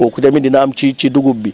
kooku tamit dina am ci ci dugub bi